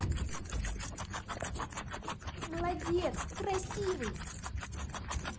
молодец красивый